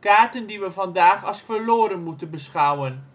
Kaarten die we vandaag als verloren moeten beschouwen